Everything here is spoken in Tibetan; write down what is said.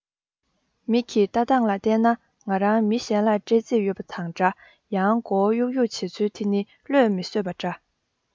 མིག གིས ལྟ སྟངས ལ བལྟས ན ང རང མི གཞན ལ སྤྲད རྩིས ཡོད པ དང འདྲ ཡང མགོ བོ གཡུག གཡུག བྱེད ཚུལ དེ ནི བློས མི བཟོད པ འདྲ